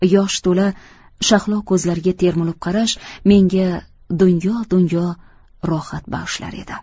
yosh to'la shahlo ko'zlariga termilib qarash menga dunyo dunyo rohat bag'ishlar edi